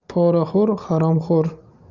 poraxo'r haromxo'r